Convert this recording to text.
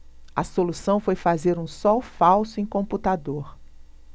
a solução foi fazer um sol falso em computador